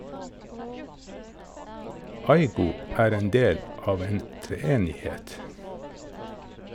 Aygo er en del av en treenighet.